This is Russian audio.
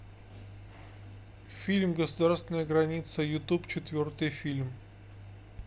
фильм государственная граница ютуб четвертый фильм